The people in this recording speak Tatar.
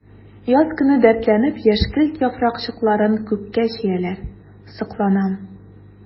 Яз көне дәртләнеп яшькелт яфракчыкларын күккә чөяләр— сокланам.